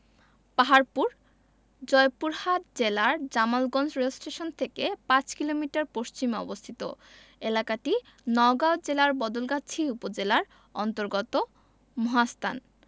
পাহাড়পুর জয়পুরহাট জেলার জামালগঞ্জ রেলস্টেশন থেকে ৫ কিলোমিটার পশ্চিমে অবস্থিত এলাকাটি নওগাঁ জেলার বদলগাছি উপজেলার অন্তর্গত মহাস্থান